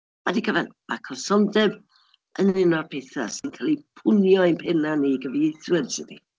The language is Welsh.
A wedi cyfan, ma' cysondeb yn un o'r petha sy'n cael eu pwnio i'n pennau ni gyfieithwyr, tydi.